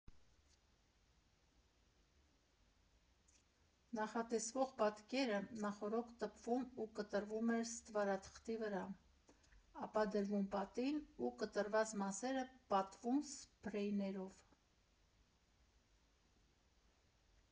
Նախատեսվող պատկերը նախօրոք տպվում ու կտրվում էր ստվարաթղթի վրա, ապա դրվում պատին ու կտրված մասերը պատվում սփրեյ ներկով։